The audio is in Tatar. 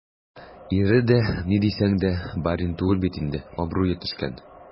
Ире дә, ни дисәң дә, барин түгел бит инде - абруе төшкән.